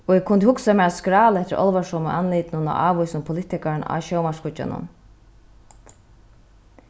og eg kundi hugsað mær at skrála eftir álvarsomu andlitunum á ávísum politikarum á sjónvarpsskíggjanum